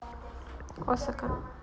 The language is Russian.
осака